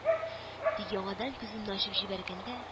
Тик яңадан күземне ачып җибәргәндә